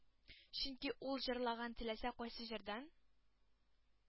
Чөнки ул җырлаган теләсә кайсы җырдан